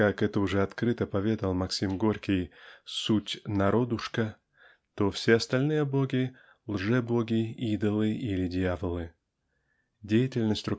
как это уже открыто поведал Максим Горький "суть народушко" то все остальные боги -- лжебоги идолы или дьяволы. Деятельность